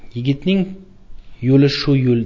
yigitning yo'li shu yo'l